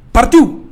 Parti